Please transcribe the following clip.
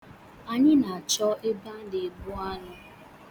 Anyị na-achọ ebe ana-egbụ anụ.